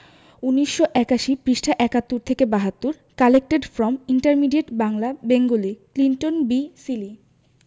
১৯৮১ পৃষ্ঠাঃ ৭১ থেকে ৭২ collected from intermediate Bangla Bengali Clinton B Seely